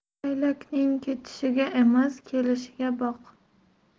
laylakning ketishiga emas kelishiga boq